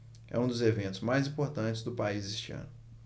é um dos eventos mais importantes do país este ano